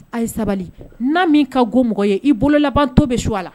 A ye sabali n'a min ka go mɔgɔ ye i bolo laban to bɛ su a la